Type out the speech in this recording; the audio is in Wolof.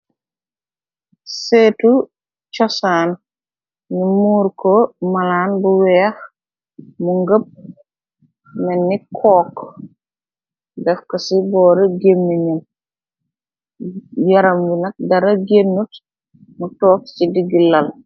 Seetu chasaan nu muur ko malaan bu weex mu ngëpp menni kook def ko ci boor gémmi ñyem yaram yu nag dara génnut mu took ci diggi lal.